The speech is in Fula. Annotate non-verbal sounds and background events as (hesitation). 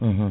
(hesitation) (hesitation)